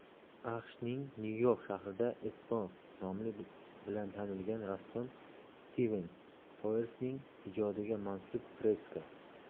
aqshning nyu york shahrida espo nomi bilan tanilgan rassom stiven pauersning ijodiga mansub freska